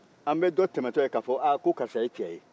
an bɛ dɔ tɛmɛ tɔ ye ka fɔ aaa ko karisa ye cɛ ye